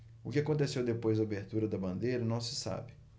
o que aconteceu depois da abertura da bandeira não se sabe